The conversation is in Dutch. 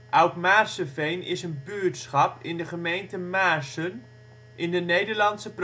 Oud-Maarseveen is een buurtschap in de gemeente Maarssen, in de Nederlandse